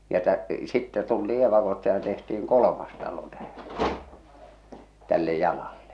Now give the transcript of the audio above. ja - sitten tultiin evakosta ja tehtiin kolmas talo tähän tälle jalalle